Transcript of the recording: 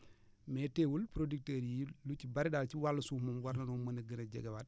mais teewul producteurs yi ñu ci bari daal ci wàllu suuf moom war nanoo mën a gën a jegewaat